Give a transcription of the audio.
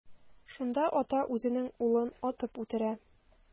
Шунда ата үзенең улын атып үтерә.